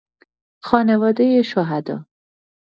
خانواده شهدا